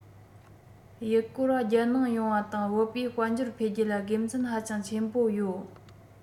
ཡུལ སྐོར བ རྒྱལ ནང ཡོང བ དང བུད པས དཔལ འབྱོར འཕེལ རྒྱས ལ དགེ མཚན ཧ ཅང ཆེན པོ ཡོད